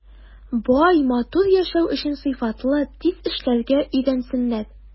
Бай, матур яшәү өчен сыйфатлы, тиз эшләргә өйрәнсеннәр.